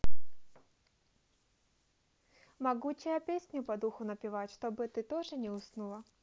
могучая песню по духу напевать чтобы ты тоже не уснула